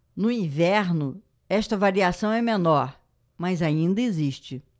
no inverno esta variação é menor mas ainda existe